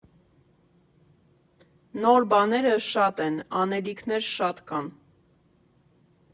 Նոր բաները շատ են, անելիքներ շատ կան։